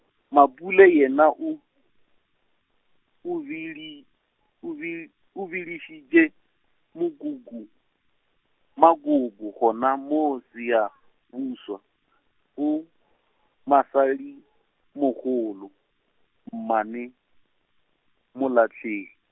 Mapule yena o, o hidi- o bi- o bidišitše mokhukhu, makoko gona moo Siyabuswa, o mosadimogolo, mmane, Molahlegi.